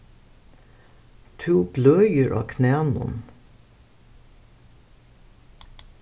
tú bløðir á knænum